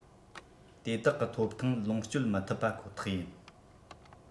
དེ དག གི ཐོབ ཐང ལོངས སྤྱོད མི ཐུབ པ ཁོ ཐག ཡིན